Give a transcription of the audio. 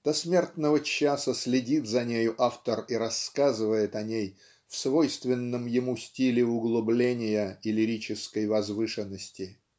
до смертного часа следит за нею автор и рассказывает о ней в свойственном ему стиле углубления и лирической возвышенности.